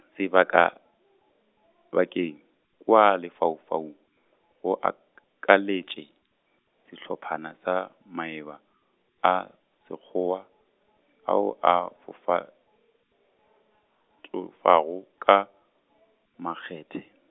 sebakabakeng, kua lefaufaung , go ak- -kaletše, sehlophana sa maeba, a Sekgowa , ao a fofatofago- ka makgethe.